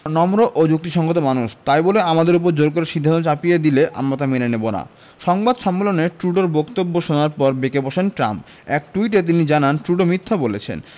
নম্র ও যুক্তিসংগত মানুষ তাই বলে আমাদের ওপর জোর করে সিদ্ধান্ত চাপিয়ে দিলে আমরা তা মেনে নেব না সংবাদ সম্মেলনে ট্রুডোর বক্তব্য শোনার পর বেঁকে বসেন ট্রাম্প এক টুইটে তিনি জানান ট্রুডো মিথ্যা বলেছেন